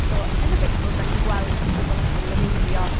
So yn y Beibl dan ni'n gweld pobl yn cael eu eneinio.